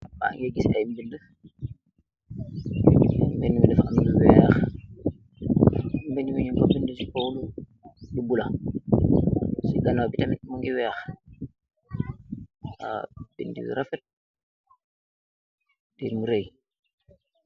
Mageh giss ayy ndenda bena bi dafa aam lu weex bena bi nyong ko benda si kaw lu bulo si gnaw bi tamit mogi weex arr benda yu refet teh nyu reey.